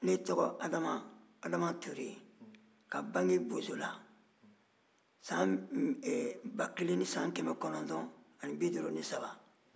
ne tɔgɔ ye adama ture ka bange bozola san 1953